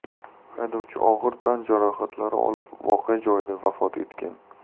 haydovchi og'ir tan jarohatlari olib voqea joyida vafot etgan